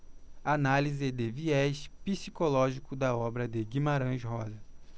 análise de viés psicológico da obra de guimarães rosa